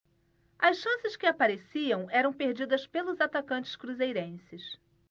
as chances que apareciam eram perdidas pelos atacantes cruzeirenses